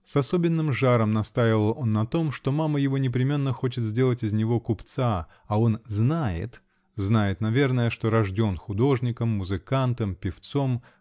С особенным жаром настаивал он на том, что мама его непременно хочет сделать из него купца -- а он знаег, знает наверное, что рожден художником, музыкантом, певцом